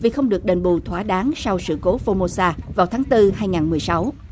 vì không được đền bù thỏa đáng sau sự cố phô mô sa vào tháng tư hai ngàn mười sáu